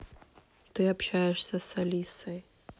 ты общаешься с алисой